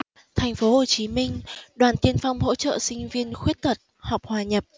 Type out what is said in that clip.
thành phố hồ chí minh đoàn tiên phong hỗ trợ sinh viên khuyết tật học hòa nhập